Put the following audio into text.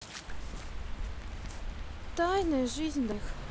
тайная жизнь домашних